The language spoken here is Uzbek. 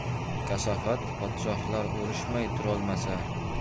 kasofat podsholar urushmay turolmasa